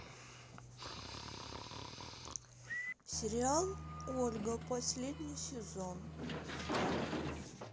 сериал ольга последний сезон